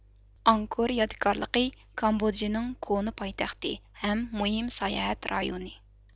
ئاڭكور يادىكارلىقى كامبودژىنىڭ كونا پايتەختى ھەم مۇھىم ساياھەت رايونى